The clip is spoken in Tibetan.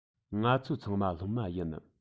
ང ཚོ ཚང མ སློབ མ ཡིན